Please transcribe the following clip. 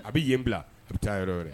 A bɛ yen bila a bɛ taa yɔrɔɛrɛ